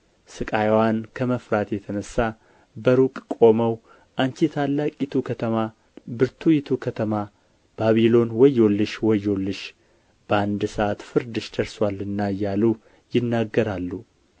ሥቃይዋንም ከመፍራት የተነሣ በሩቅ ቆመው አንቺ ታላቂቱ ከተማ ብርቱይቱ ከተማ ባቢሎን ወዮልሽ ወዮልሽ በአንድ ሰዓት ፍርድሽ ደርሶአልና እያሉ ይናገራሉ